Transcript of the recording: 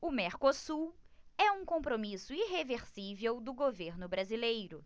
o mercosul é um compromisso irreversível do governo brasileiro